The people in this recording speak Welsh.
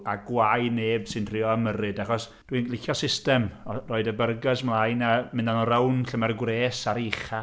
A gwae neb sy'n trio ymyrryd, achos dwi'n licio system o roid y byrgers 'mlaen a mynd â nhw rownd lle mae'r gwres ar ei ucha.